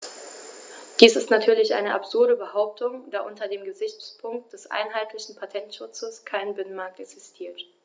Dies ist natürlich eine absurde Behauptung, da unter dem Gesichtspunkt des einheitlichen Patentschutzes kein Binnenmarkt existiert.